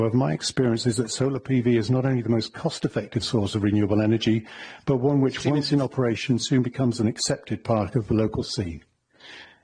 However, my experience is that solar Pee Vee is not only the most cost-effective source of renewable energy, but one which, once in operation, soon becomes an accepted part of the local scene.